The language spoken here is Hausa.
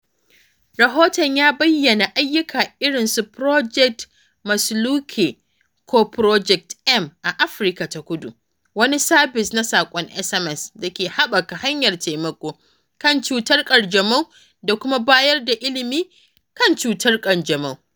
Rahoton ya bayyana ayyuka irin su Project Masiluleke (ko Project M) a Afirka ta Kudu, wani sabis na saƙon SMS da ke haɓaka hanyar taimako kan cutar ƙanjamau da kuma bayar da ilimi kan cutar ƙanjamau.